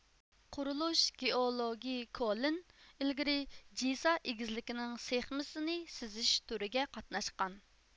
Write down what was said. قۇرۇلۇش گېئولوگى كولىن ئىلگىرى جىسا ئېگىزلىكىنىڭ سخېمىسىنى سىزىش تۈرىگە قاتناشقان